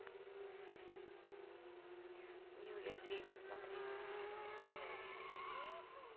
неуязвимый смотреть